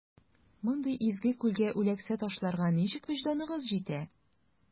Мондый изге күлгә үләксә ташларга ничек вөҗданыгыз җитә?